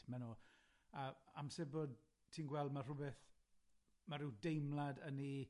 ma' nw a amser fod ti'n gweld ma' rhwbeth ma' rw deimlad yn 'u